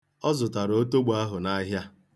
Ọ zụtara otogbo ahụ n'ahịa.